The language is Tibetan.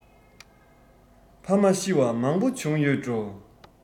ཕ མ ཤི བ མང པོ བྱུང ཡོད འགྲོ